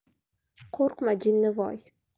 qo'rqma jinnivoy